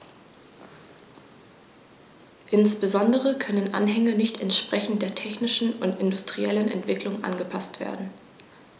Insbesondere können Anhänge nicht entsprechend der technischen und industriellen Entwicklung angepaßt werden.